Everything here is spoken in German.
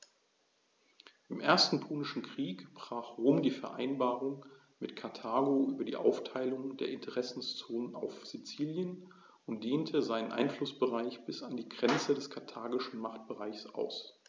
Im Ersten Punischen Krieg brach Rom die Vereinbarung mit Karthago über die Aufteilung der Interessenzonen auf Sizilien und dehnte seinen Einflussbereich bis an die Grenze des karthagischen Machtbereichs aus.